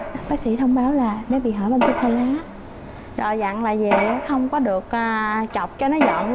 bác sĩ thông báo là bé bị hở van tim hai lá rồi dặn là về á không có được a chọc cho giận